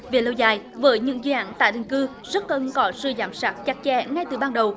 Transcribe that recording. về lâu dài với những dự án tái định cư rất cần có sự giám sát chặt chẽ ngay từ ban đầu